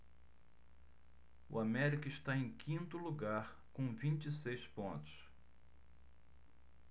o américa está em quinto lugar com vinte e seis pontos